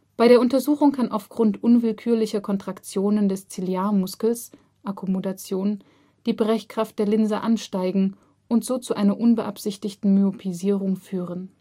Bei der Untersuchung kann aufgrund unwillkürlicher Kontraktionen des Ziliarmuskels (Akkommodation) die Brechkraft der Linse ansteigen und so zu einer unbeabsichtigten Myopisierung führen. In